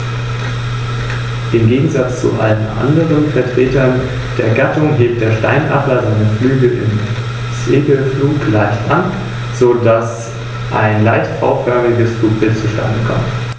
Das „Land der offenen Fernen“, wie die Rhön auch genannt wird, soll als Lebensraum für Mensch und Natur erhalten werden.